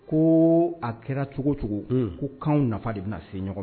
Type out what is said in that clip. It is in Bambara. Ko a kɛra cogo cogo ko' nafa de bɛna se ɲɔgɔn